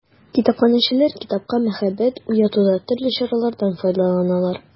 Китапханәчеләр китапка мәхәббәт уятуда төрле чаралардан файдаланалар.